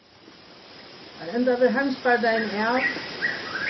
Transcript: at enda verður heimsbardagin av